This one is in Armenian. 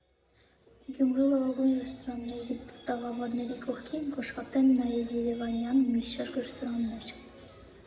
Գյումրու լավագույն ռեստորանների տաղավարների կողքին կաշխատեն նաև երևանյան մի շարք ռեստորաններ։